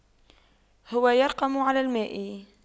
هو يرقم على الماء